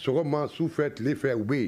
Sogoma su fɛ tile fɛ u bɛ yen